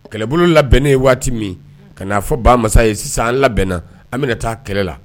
Kɛlɛbolo labɛnnen ye waati min ka'a fɔ ba masa ye sisan an labɛnna an bɛna taa kɛlɛ la